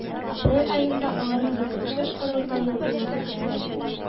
Апрель аенда аларның беренче корылтае булыр дип көтелә.